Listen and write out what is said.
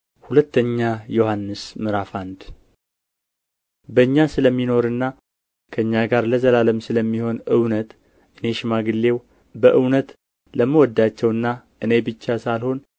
ሁለተኛ ዮሐንስ ምዕራፍ አንድ በእኛ ስለሚኖርና ከእኛ ጋር ለዘላለም ስለሚሆን እውነት እኔ ሽማግሌው በእውነት ለምወዳቸውና እኔ ብቻ ሳልሆን